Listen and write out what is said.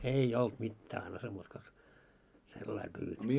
ei ollut mitään ansa muuta kuin sellainen -